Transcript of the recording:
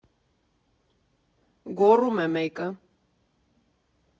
Գոռում է մեկը։